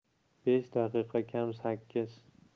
besh daqiqa kam sakkiz